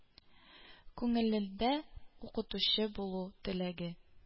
Күңелендә укытучы булу теләге